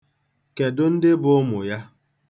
Kedụ ndị bụ ụmụ ya?